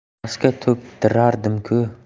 pastga to'ktirardimku